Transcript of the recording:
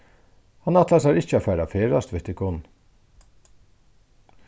hann ætlar sær ikki at fara at ferðast við tykkum